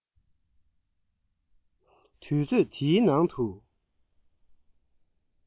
དུས ཚོད འདིའི ནང དུ